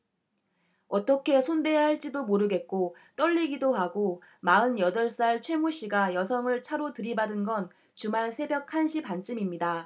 어떻게 손대야 할지도 모르겠고 떨리기도 하고 마흔 여덟 살 최 모 씨가 여성을 차로 들이받은 건 주말 새벽 한 시 반쯤입니다